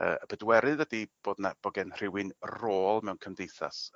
Yy y bedwerydd ydi bod 'na bo' gen rhywun rôl mewn cymdeithas